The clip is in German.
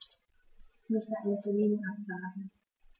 Ich möchte einen Termin absagen.